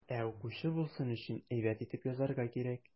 Ә укучы булсын өчен, әйбәт итеп язарга кирәк.